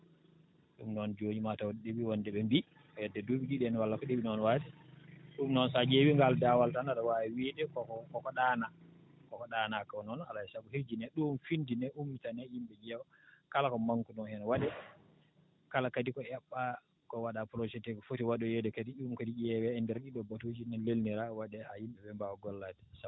ɗum noon jooni maataw ɗeɓii wonde ɓe mbiyi heedde duuɓi ɗiɗi en walla ko ɗeɓi noon waade ɗum noon so a ƴeewii ngaal daawal tan aɗa waawi wiide koko koko ɗaanaa koko ɗaanaa koo noon alaa e sago herjine ɗum finndinee ɗum ummitanee yimɓe ƴeewa kala ko manque kunoo heen waɗee kala kadi ko heɓɓaa ko waɗaa projeté ko foti waɗoyeede kadi ɗum kadi ƴeewee e ndeer ɗii ɗoo batuuji no lelniraa waɗee haa yimɓe ɓee mbaawa gollaade